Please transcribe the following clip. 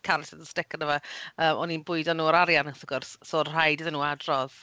carrot and stick yndo fe? Yy, o'n i'n bwydo nhw yr arian wrth gwrs, so oedd rhaid iddyn nhw adrodd.